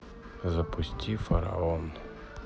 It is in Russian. запусти фараон